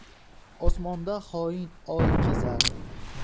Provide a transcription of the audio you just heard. osmonda xoin oy kezar